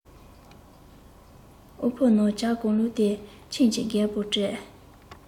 དངུལ ཕོར ནང ཇ གང བླུགས ཏེ ཁྱིམ ཀྱི རྒད པོར སྤྲད